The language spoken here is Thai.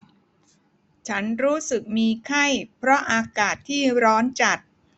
ฉันรู้สึกมีไข้เพราะอากาศที่ร้อนจัด